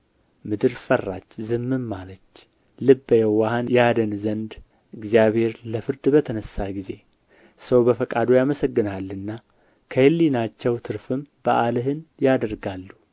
ምድር ፈራች ዝምም አለች ልበ የዋሃን ያድን ዘንድ እግዚአብሔር ለፍርድ በተነሣ ጊዜ ሰው በፈቃዱ ያመሰግንሃልና ከሕሊናቸው ትርፍም በዓልህን ያደርጋሉ